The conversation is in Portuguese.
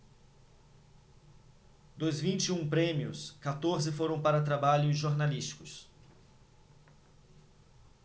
dos vinte e um prêmios quatorze foram para trabalhos jornalísticos